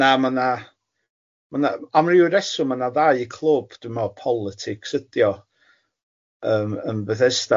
Na ma' na, ma' na am ryw reswm ma' na ddau clwb dwi'n meddwl politics ydy o, yym yn Bethesda.